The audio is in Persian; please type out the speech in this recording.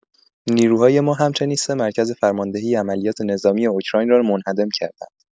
نیروهای ما همچنین ۳ مرکز فرماندهی عملیات نظامی اوکراین را منهدم کردند.